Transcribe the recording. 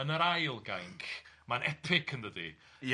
...yn yr ail gainc, ma'n epic yndydi. Ia.